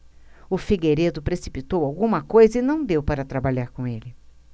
o figueiredo precipitou alguma coisa e não deu para trabalhar com ele